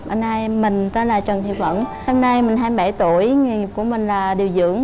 bữa nay mình tên là trần thị vẫn hôm nay mình hai bảy tuổi nghề nghiệp của mình là điều dưỡng